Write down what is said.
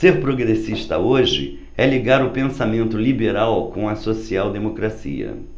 ser progressista hoje é ligar o pensamento liberal com a social democracia